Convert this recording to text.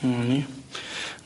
Hmm.